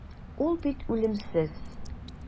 Ул бит үлемсез.